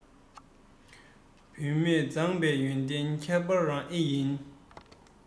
བུད མེད མཛངས མའི ཡོན ཏན ཁྱད པར རང ཨེ ཡིན